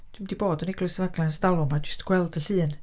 Dwi'm 'di bod yn Eglwys Llanfaglan ers talwm a jyst gweld y llun.